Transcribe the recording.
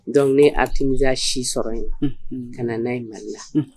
Don at si sɔrɔ yen ka na' mali la